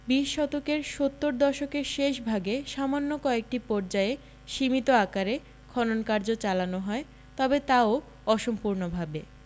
বিশ শতকের সত্তর দশকের শেষভাগে সামান্য কয়েকটি পর্যায়ে সীমিত আকারে খনন কার্য চালানো হয় তবে তাও অসম্পূর্ণভাবে